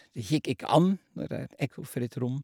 Det gikk ikke an når det er et ekkofritt rom.